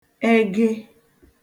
ege